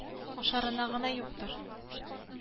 Ашарына гына юктыр